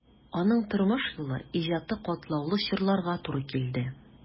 Аның тормыш юлы, иҗаты катлаулы чорларга туры килде.